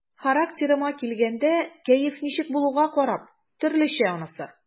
Характерыма килгәндә, кәеф ничек булуга карап, төрлечә анысы.